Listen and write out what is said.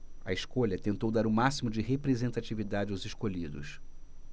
a escolha tentou dar o máximo de representatividade aos escolhidos